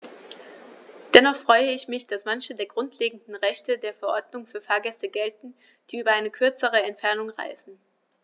Dennoch freue ich mich, dass manche der grundlegenden Rechte der Verordnung für Fahrgäste gelten, die über eine kürzere Entfernung reisen.